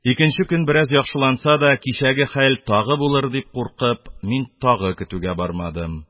Икенче көн бераз яхшыланса да, кичәге хәл тагы булыр дип куркып, мин тагы көтүгә бармадым